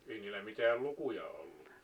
ei niillä mitään lukuja ollut